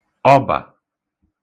ọbà